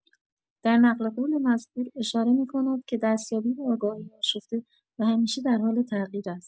در نقل‌قول مزبور، اشاره می‌کند که دستیابی به آگاهی آشفته و همیشه در حال تغییر است.